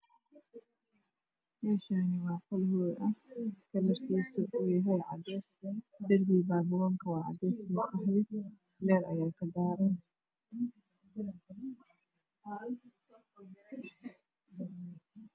Me Shani wa qol hool ah kalar kisu uyahay cades dir boga babaronka wa cades iya qaxwi leer ayaa kadaaran